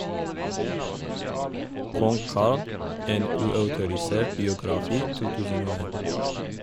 "Kong Carl, en uautorisert biografi", 2001.